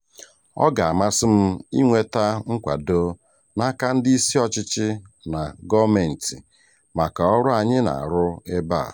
Ọ ga-amasị m ịnweta nkwado n'aka ndị isi ọchịchị na gọọmenti maka ọrụ anyị na-arụ ebe a.